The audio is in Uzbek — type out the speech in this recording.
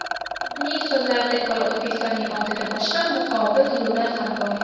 uning so'zlariga ko'ra o'zbekistonning oldida boshqa muqobil yo'llar ham bor